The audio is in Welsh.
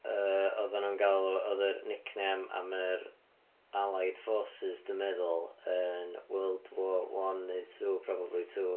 yy oedden nhw'n galw... oedd yr nickname am yr Allied Forces, dwi'n meddwl yn World War one neu two probably two